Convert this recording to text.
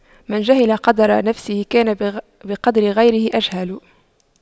من جهل قدر نفسه كان بقدر غيره أجهل